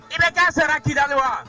I bɛ taa sɔrɔ a cira de wa ?